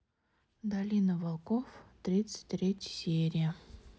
долина волков тридцать третья серия